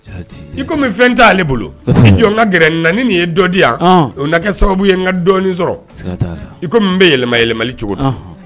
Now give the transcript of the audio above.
Jati, I komi fɛn t'ale bolo, koseɛb, , i jɔ n ka gɛrɛ nin na o na kɛ sababu ye n ka dɔnniɔni sɔrɔ, sika t'a la, komi n bɛ yɛlɛma yɛlɛmali cogo don!